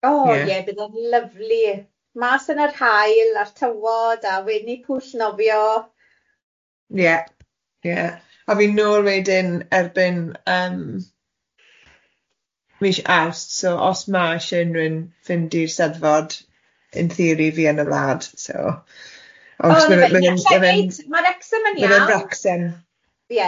O ie bydd o'n lyfli, mas yn yr haul a'r tywod a wedyn ni pwll nofio... Ie ie a fi'n nôl wedyn erbyn yym mish Awst so os ma isie unrhywun fynd i'r Steddfod, in theory fi yn y wlad so... Oh na fe ma Wrecsem yn iawn. ...ma fe'n Wrecsam ie.